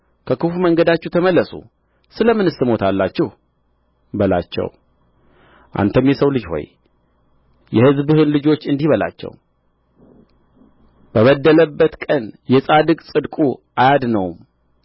ከክፉ መንገዳችሁ ተመለሱ ስለ ምንስ ትሞታላችሁ በላቸው አንተም የሰው ልጅ ሆይ የሕዝብህን ልጆች እንዲህ በላቸው በበደለበት ቀን የጻድቅ ጽድቁ አያድነውም